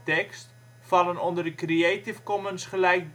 52° 12 ' NB 4°